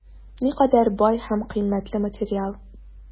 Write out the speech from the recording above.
Никадәр бай һәм кыйммәтле материал!